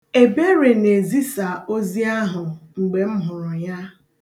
Ebere na-ezisa ozi ahụ mgbe m hụrụ ya.